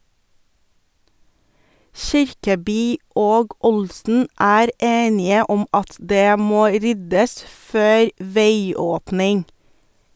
Kirkeby og Olsen er enige om at det må ryddes før veiåpning.